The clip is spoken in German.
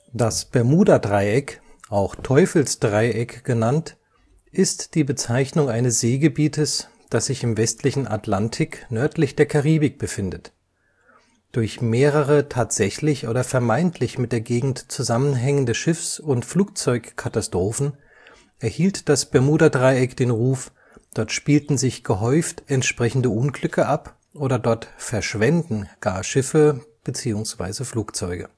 Das Bermudadreieck, auch Teufelsdreieck genannt, ist die Bezeichnung eines Seegebietes, das sich im westlichen Atlantik nördlich der Karibik befindet. Durch mehrere tatsächlich oder vermeintlich mit der Gegend zusammenhängende Schiffs - und Flugzeugkatastrophen erhielt das Bermudadreieck den Ruf, dort spielten sich gehäuft entsprechende Unglücke ab oder dort „ verschwänden “gar Schiffe und/oder Flugzeuge